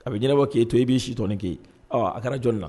A bɛ ɲanabɔ k'e to yen e b'i si tɔɔnin kɛ yen.